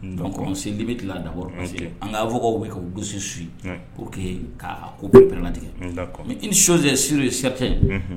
Don selili bɛ tila dakɔrɔ an ka fɔw bɛ ka gosisi su k'o ka kopplatigɛ i ni nisɔn sur sirate